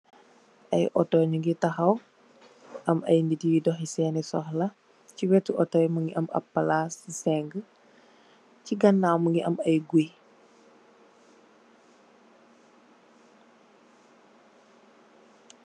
Ay Otto ñi ngi taxaw , am ay nit yuy dox sééni soxla ci wetu Otto yi mugii am ap palas senga ci ganaw mugii am ay guy.